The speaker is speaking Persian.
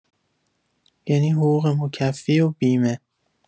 یعنی حقوق مکفی و بیمه.